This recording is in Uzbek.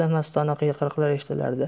mastona qiyqiriqlar eshitilardi